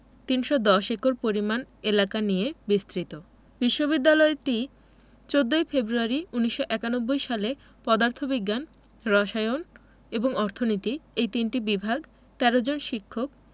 ৩১০ acre পরিমাণ এলাকা নিয়ে বিস্তৃত বিশ্ববিদ্যালয়টি ১৪ ফেব্রুয়ারি ১৯৯১ সালে পদার্থ বিজ্ঞান রসায়ন এবং অর্থনীতি এ তিনটি বিভাগ ১৩ জন শিক্ষক